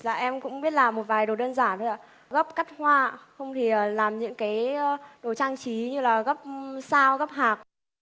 dạ em cũng biết là một vài đồ đơn giản thôi ạ gấp cắt hoa không thì làm những cái đồ trang trí như là gấp sao gấp hạc